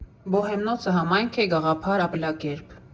Բոհեմնոցը համայնք է, գաղափար, ապրելակերպ։